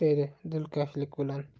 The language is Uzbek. dedi dilkashlik bilan